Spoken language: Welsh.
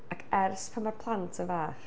Ac ers pan ma'r plant yn fach.